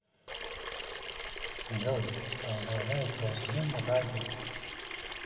джой поздравляю тебя с днем радио